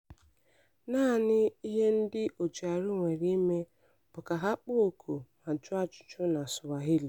Naanị ihe ndị ojiarụ nwere ịmee bụ ka ha kpọọ oku ma jụọ ajụjụ na Swahili.